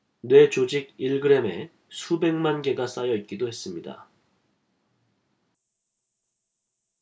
뇌 조직 일 그램에 수백만 개가 쌓여 있기도 했습니다